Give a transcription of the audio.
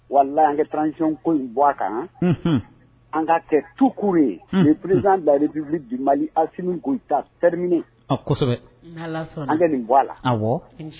Wala ankɛ trancɔnko in bɔ a kan an ka kɛ tukuru ye ni perezsan da bi bi mali askɔta teriri minɛ kosɛbɛ an nin bɔ a la